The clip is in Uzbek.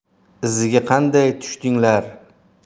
iziga qanday tushdinglar